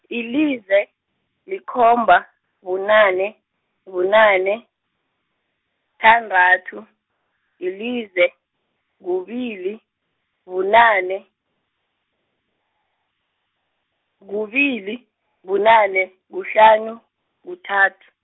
yilize, likhomba, bunane, bunane, thandathu, yilize, kubili, bunane, kubili, bunane, kuhlanu, kuthathu.